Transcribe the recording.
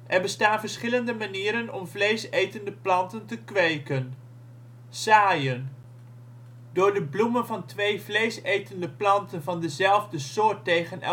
Er bestaan verschillende manieren om vleesetende planten te kweken. Zaaien: Door de bloemen van twee vleesetende planten van dezelfde soort tegen